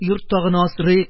Йортта гына асрыйк.